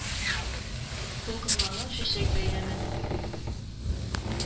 Дулкынланган чәчәк бәйләмен.